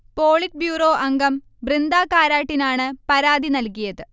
polit bureau അംഗം ബൃന്ദാ കാരാട്ടിനാണ് പരാതി നൽകിയത്